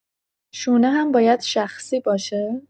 شونه هم باید شخصی باشه؟